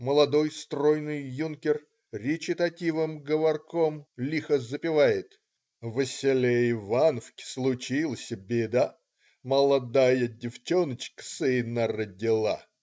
Молодой, стройный юнкер речитативом-говорком лихо запевает: Во селе Ивановке случилась беда, Молодая девчонычка сына родила.